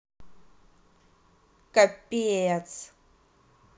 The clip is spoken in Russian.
капец